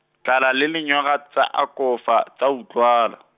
tlala le lenyora tsa akofa tsa utlwala.